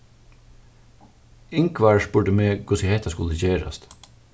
ingvar spurdi meg hvussu hetta skuldi gerast